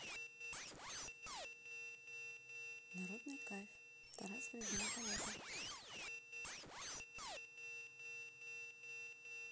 народный кайф taras в режиме полета